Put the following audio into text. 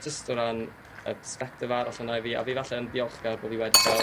jyst o ran y persbectif arall yna i fi a fi falle'n ddiolchgar bo' fi wedi ca'l